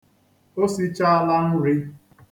O sichaala nri.